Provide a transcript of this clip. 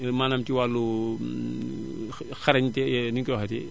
maanaam ci wàllu xarañte nu ñu koy waxatee